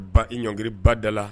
Ba i ɲɔng ba da la